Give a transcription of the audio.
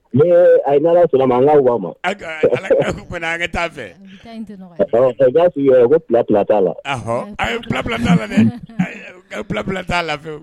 A' ma an ka ma an t taa fɛ'a kola t'a la a yela t' lafi